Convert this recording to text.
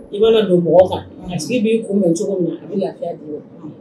I mana don mɔgɔ kan a tigi b'i kunbɛ cogo min na a. bɛ lafiya d'i ma.